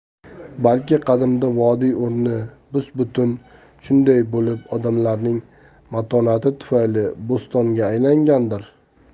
balki qadimda vodiy o'rni bus butun shunday bo'lib odamlarning matonati tufayli bo'stonga aylangandir